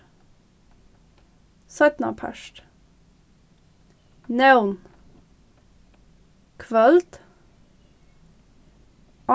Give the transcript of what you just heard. seinnapart nón kvøld